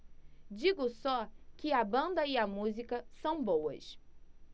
digo só que a banda e a música são boas